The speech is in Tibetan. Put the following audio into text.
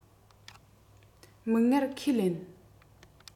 མིག སྔར ཁས ལེན